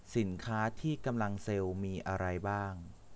สินค้าที่กำลังเซลล์มีอะไรบ้าง